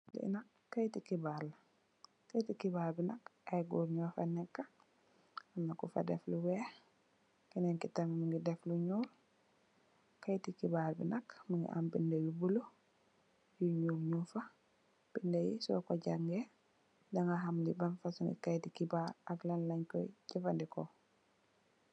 li nak keiti kebarr la keiti kebarr bi nak i gorr nyofa neka amna kufa deff lu weih kenen ki tam Mungi deff lu nyuul keiti kebarr bi nak Mungi am binda yu blue yu nyuul Nyungfa bindai soko jangeh danga ham li ban fosum keiti kebarr ak lan lenj ko jeefan deko.